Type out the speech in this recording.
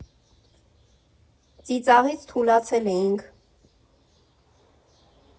Ծիծաղից թուլացել էինք։